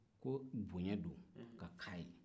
ko bonya don ka k'a ye